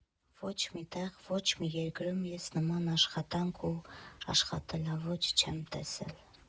Ոչ մի տեղ, ոչ մի երկրում ես նման աշխատանք ու աշխատելաոճ չեմ տեսել։